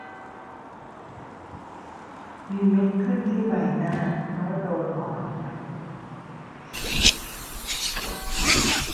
มีเม็ดขึ้นที่ใบหน้าเพราะโดนหนอนคัน